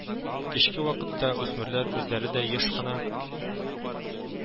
Кичке вакытта үсмерләр үзләре дә еш кына